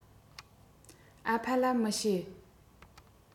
ཨ ཕ ལ མི བཤད